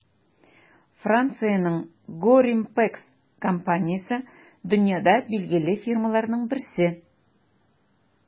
Франциянең Gorimpex компаниясе - дөньяда билгеле фирмаларның берсе.